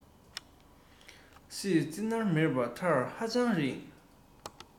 སྲིད རྩེ མནར མེད བར ཐག ཧ ཅང རིང